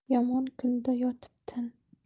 yomon kunda yotib tin